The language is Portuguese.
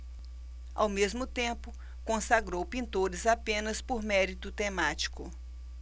ao mesmo tempo consagrou pintores apenas por mérito temático